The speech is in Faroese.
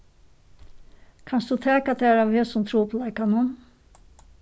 kanst tú taka tær av hesum trupulleikanum